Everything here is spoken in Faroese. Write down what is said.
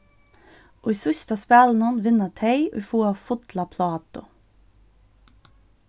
í síðsta spælinum vinna tey ið fáa fulla plátu